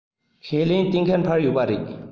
ཁས ལེན གཏན འཁེལ འཕར ཡོད པ རེད